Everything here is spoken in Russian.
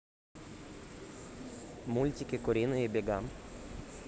мультики куриные бега